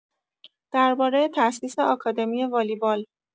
درباره تاسیس آکادمی والیبال